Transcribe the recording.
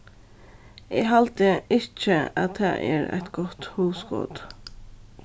eg haldi ikki at tað er eitt gott hugskot